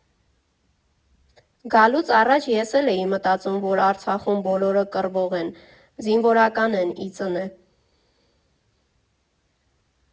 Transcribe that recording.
Գալուց առաջ ես էլ էի մտածում, որ Արցախում բոլորը կռվող են, զինվորական ի ծնե։